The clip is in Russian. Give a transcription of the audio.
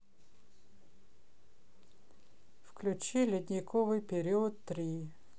включи ледниковый период три